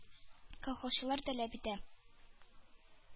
Колхозчылар таләп итә